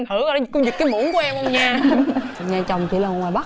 thử coi có giật cái muỗng của em không nha nhà chồng chị là ngoài bắc